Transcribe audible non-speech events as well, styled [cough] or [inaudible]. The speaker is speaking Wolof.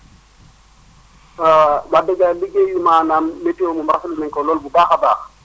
[noise] [hesitation] wax dëgg yàlla liggéeyu maanaam météo moom rafetlu nañu ko lool bu baax a baax